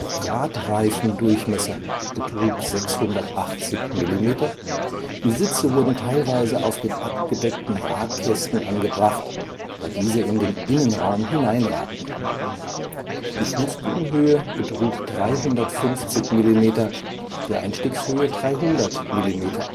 Radreifendurchmesser betrug 680 Millimeter, die Sitze wurden teilweise auf den abgedeckten Radkästen angebracht, da diese in den Innenraum hineinragten. Die Fußbodenhöhe betrug 350 Millimeter, die Einstiegshöhe 300 Millimeter